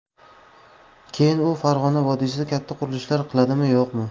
keyin u farg'ona vodiysida katta qurilishlar qiladimi yo'qmi